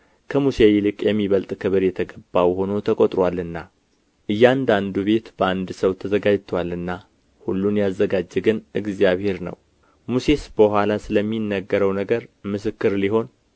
ከሙሴ ይልቅ የሚበልጥ ክብር የተገባው ሆኖ ተቆጥሮአልና እያንዳንዱ ቤት በአንድ ሰው ተዘጋጅቶአልና ሁሉን ያዘጋጀ ግን እግዚአብሔር ነው ሙሴስ በኋላ ስለሚነገረው ነገር ምስክር ሊሆን